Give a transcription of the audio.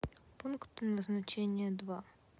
пункт назначения два